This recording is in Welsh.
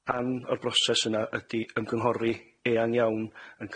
yr h- rhan o'r broses yna ydi ymgynghori eang iawn yn